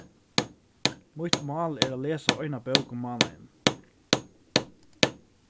mítt mál er at lesa eina bók um mánaðin